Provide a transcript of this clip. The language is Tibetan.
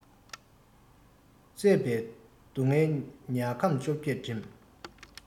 བཙས པའི སྡུག སྔལ མྱལ ཁམས བཅོ བརྒྱད འགྲིམ